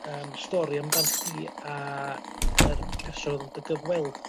yym stori amdan chdi a yr person odd yn dy